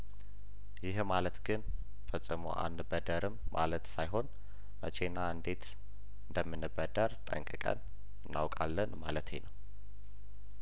ይኸ ማለት ግን ፈጽሞ አን በደርም ማለት ሳይሆን መቼና እንዴት እንደምን በደር ጠንቅ ቀን እናውቃለን ማለቴ ነው